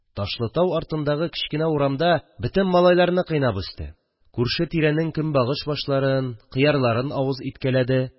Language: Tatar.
Ташлытау артындагы кечкенә урамда бөтен малайларны кыйнап үсте, күрше-тирәнең көнбагыш башларын, кыярларын авыз иткәләде